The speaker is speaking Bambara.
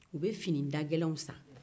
u bɛ fini dagɛlɛnw san